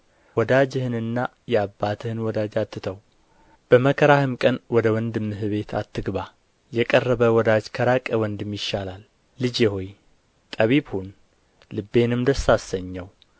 ወዳጅህንና የአባትህን ወዳጅ አትተው በመከራህም ቀን ወደ ወንድምህ ቤት አትግባ የቀረበ ወዳጅ ከራቀ ወንድም ይሻላል ልጄ ሆይ ጠቢብ ሁን ልቤንም ደስ አሰኘው